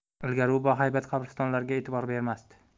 ilgari u bahaybat qabrtoshlarga e'tibor bermas edi